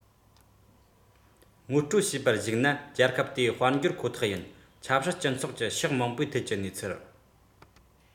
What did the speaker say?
དེའི ནང ནས ཕྱིར འཐེན བྱས